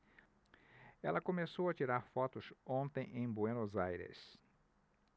ela começou a tirar fotos ontem em buenos aires